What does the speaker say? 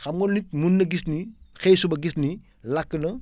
xam nga nit mun na gis ni xëy suba gis ni lakk na